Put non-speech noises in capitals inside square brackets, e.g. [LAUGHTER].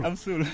am suul [LAUGHS]